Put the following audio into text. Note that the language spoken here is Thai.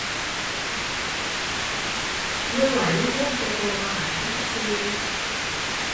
เมื่อไรลูกลูกจะโทรมาหาฉันซักที